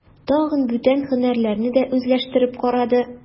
Тагын бүтән һөнәрләрне дә үзләштереп карады.